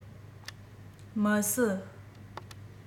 མི སྲིད